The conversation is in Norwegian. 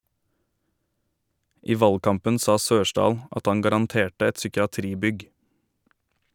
I valgkampen sa Sørsdahl at han garanterte et psykiatribygg.